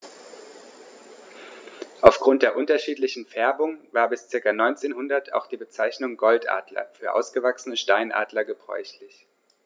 Auf Grund der unterschiedlichen Färbung war bis ca. 1900 auch die Bezeichnung Goldadler für ausgewachsene Steinadler gebräuchlich.